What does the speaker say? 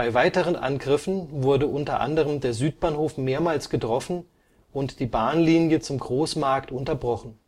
weiteren Angriffen wurde unter anderem der Südbahnhof mehrmals getroffen und die Bahnlinie zum Großmarkt unterbrochen